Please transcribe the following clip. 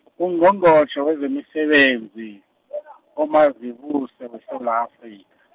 Ungqongqotjhe wezemisebenzi, uMazibuse weSewula Afrika.